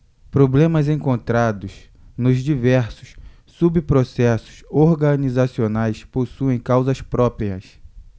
problemas encontrados nos diversos subprocessos organizacionais possuem causas próprias